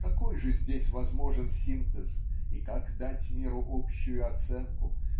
Какой же здесь возможен синтез и как дать миру общую оценку